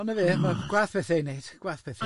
Ond nafe, mae'n gwaeth bethau i wneud, gwaeth bethau.